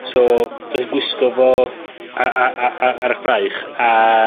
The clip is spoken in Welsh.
So 'dan ni'n gwisgo fo a- a- a- ar ar 'ych braich, a